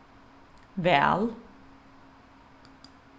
væl